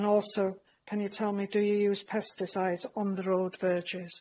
And also, can you tell me do you use pesticides on the road verges?